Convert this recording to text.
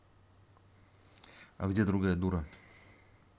а где другая дура